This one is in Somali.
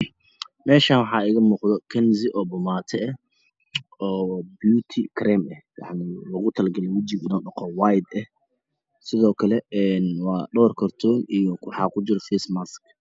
Meeshan waxaa iiga muuqdo kanza oo boomaata ah oo biyuti kareen eh o loogu tala galay wajiga inuu dhaqo wayt eh sidookale een waa dhoowr kartoon iyo waxaa ku jiro feysmaski